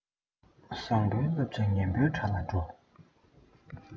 བཟང པོའི བསླབ བྱ ངན པའི དགྲ ལ འགྲོ